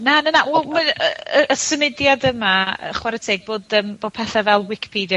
Na, ma' 'na.... W- yy y symudiad yma, yy chware teg bod yym, bo' pethe fel Wicipedia